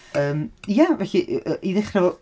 Yym ie felly i- i ddechrau...